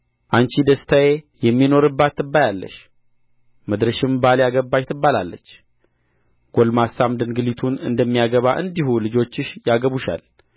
አንቺ ደስታዬ የሚኖርባት ትባያለሽ ምድርሽም ባል ያገባች ትባላለች ጕልማሳም ድንግሊቱን እንደሚያገባ እንዲሁ ልጆችሽ ያገቡሻል